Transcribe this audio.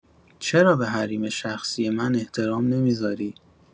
چرا به حریم شخصی من احترام نمی‌ذاری؟